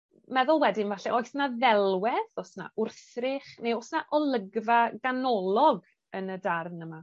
Meddwl wedyn falle oes 'na ddelwedd o's 'na wrthrych neu o's 'na olygfa ganolog yn y darn yma.